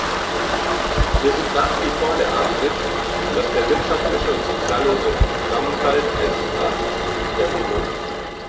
Wir sind nach wie vor der Ansicht, dass der wirtschaftliche und soziale Zusammenhalt ein zentrales Ziel der Union ist.